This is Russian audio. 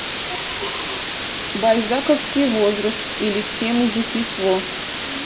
бальзаковский возраст или все мужики сво